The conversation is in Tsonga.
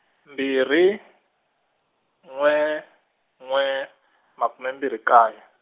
mbirhi, n'we, n'we, makume mbirhi kaye.